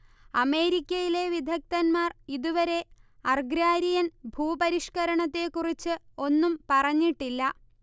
അമേരിക്കയിലെ വിദഗ്ദ്ധന്മാർ ഇതുവരെ അർഗ്രാരിയൻ ഭൂപരിഷ്കരണത്തെക്കുറിച്ച് ഒന്നും പറഞ്ഞിട്ടില്ല